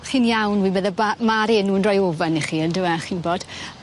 Chi'n iawn wi'n fedde ba- ma'r enw yn roi ofon i chi on'd yw e chi'n wbod?